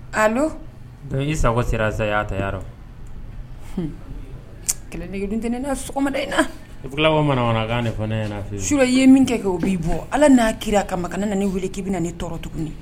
A i sakɔ sira' ta ya kɛlɛ tɛ n' sɔgɔmada in mana fana fɛ suur i ye min kɛ o b'i bɔ ala n'a kira a ka ma kana ne na wele k'i bɛ na ni tɔɔrɔ tugun di